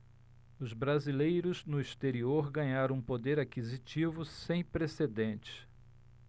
os brasileiros no exterior ganharam um poder aquisitivo sem precedentes